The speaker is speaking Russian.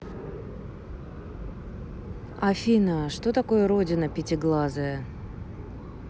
афина что такое родина пятиглазая